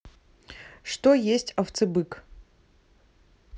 что есть овцебык